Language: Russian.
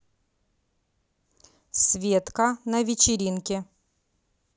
светка на вечеринке